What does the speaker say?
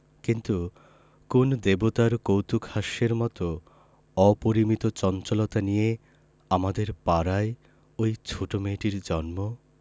কিন্তু কোন দেবতার কৌতূকহাস্যের মত অপরিমিত চঞ্চলতা নিয়ে আমাদের পাড়ায় ঐ ছোট মেয়েটির জন্ম